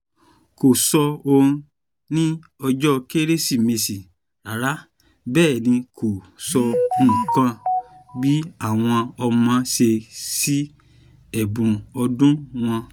Kò sọ ‘ó’ ní ọjọ́ Kérésìmesì rárá. Bẹ́ẹ̀ ni kò sọ nǹkan bí àwọn ọmọ ṣe ṣí ẹ̀bùn ọdún wọn.”